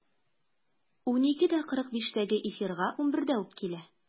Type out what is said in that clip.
12.45-тәге эфирга 11-дә үк килә.